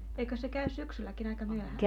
eikös se käy syksylläkin aika myöhään